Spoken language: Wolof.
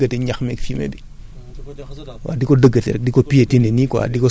di di ko sotti ci kawam di ko dëggate di dëggate ñax mi fumier bi